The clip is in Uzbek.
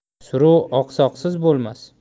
suruv oqsoqsiz bo'lmas